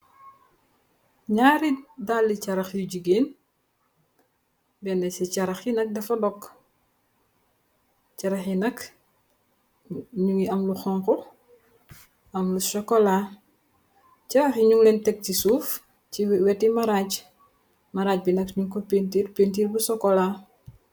Nyarri dalluh charax yu Jigéen yi nak dafa dukk mu gi amhi lu konkou ak lu sokola jarahi nk ngko tak ci souf ci wati maraj bi bi ngko bante bu sokola.